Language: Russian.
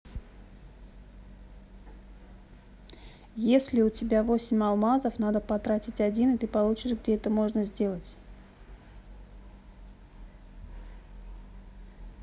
если у тебя восемь алмазов надо потратить один и ты получишь где это можно сделать